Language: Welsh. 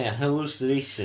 Ia, hallucinations